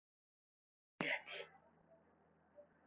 блядь